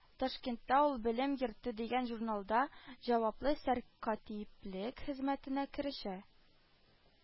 Ташкентта ул “Белем йорты” дигән журналда җаваплы сәркатиплек хезмәтенә керешә